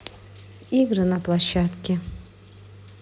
игры на площадке